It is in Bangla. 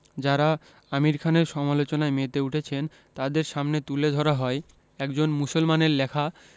যাঁরা আমির খানের সমালোচনায় মেতে উঠেছেন তাঁদের সামনে তুলে ধরা হয় একজন মুসলমানের লেখা